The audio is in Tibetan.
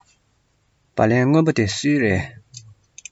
སྦ ལན སྔོན པོ འདི སུའི རེད